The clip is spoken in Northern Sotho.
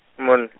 monn-.